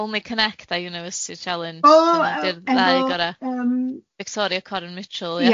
Only Connect a University Challenge ydi'r ddau gora... O yym efo yym... Victoria Coren Mitchell.